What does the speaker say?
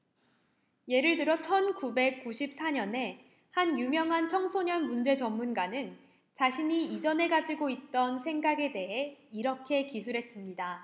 예를 들어 천 구백 구십 사 년에 한 유명한 청소년 문제 전문가는 자신이 이전에 가지고 있던 생각에 대해 이렇게 기술했습니다